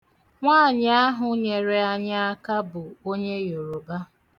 Nwaanyị ahụ nyere anyị aka bụ onye Yoroba.